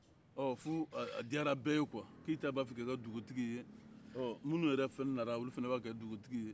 ɔ fo a diyara bɛɛ ye kuwa keyita b'a fɛ ka kɛ dugutigi ye minnu yɛrɛ nana olu fana b'a fɛ ka kɛ dugutigi